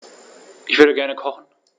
Ich würde gerne kochen.